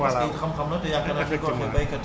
loolu loolu loolu loolu am na am na solo